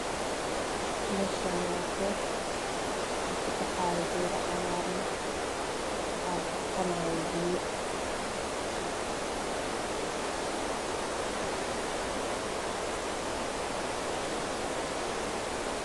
Meshan waa beer waxa kabaxayo geedo cagaran waxa burqanayo biyo